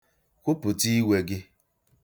Kwupụta iwe gị